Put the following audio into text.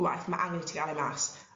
gwaeth ma' angen i ti ga'l e mas.